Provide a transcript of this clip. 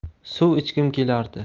suv ichgim kelardi